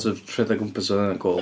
Sort of rhedeg o gwmpas. Oedd hynna'n cwl.